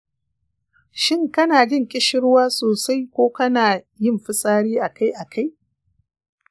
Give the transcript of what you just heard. shin kana jin ƙishirwa sosai ko kana yin fitsari akai akai?